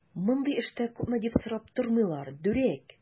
Мондый эштә күпме дип сорап тормыйлар, дүрәк!